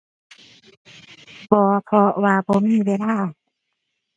บ่ เพราะว่าบ่มีเวลา